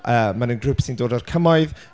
Yy, maen nhw'n grŵp sy'n dod o'r Cymoedd.